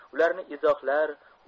ularni izohlar